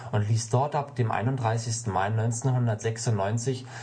ließ dort ab dem 31. Mai 1996